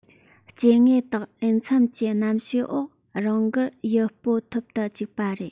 སྐྱེ དངོས དག འོས འཚམ གྱི གནམ གཤིས འོག རང དགར ཡུལ སྤོ ཐུབ ཏུ འཇུག པ རེད